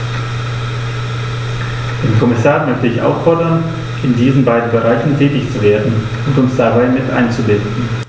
Den Kommissar möchte ich auffordern, in diesen beiden Bereichen tätig zu werden und uns dabei mit einzubinden.